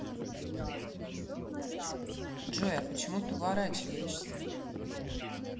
джой а почему ты уворачиваешься